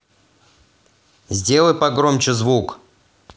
сделай погромче звук